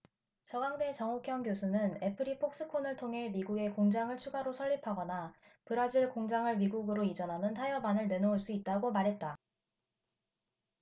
서강대 정옥현 교수는 애플이 폭스콘을 통해 미국에 공장을 추가로 설립하거나 브라질 공장을 미국으로 이전하는 타협안을 내놓을 수 있다고 말했다